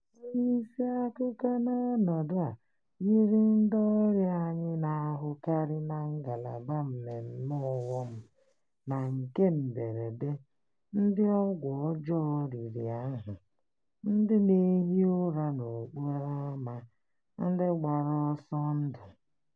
Onye isi akụkọ n'ọnọdụ a yiri ndị ọrịa anyị na-ahụkarị na ngalaba mmemme ọghọm na nke mberede – ndị ọgwụ ọjọọ riri ahụ, ndị na-ehi ụra n'okporo ámá, ndị gbara ọsọ ndụ.